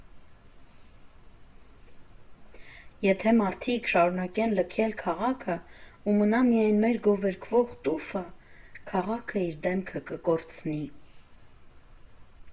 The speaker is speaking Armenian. Եթե մարդիկ շարունակեն լքեն քաղաքը, ու մնա միայն մեր գովերգվող տուֆը, քաղաքը իր դեմքը կկորցնի։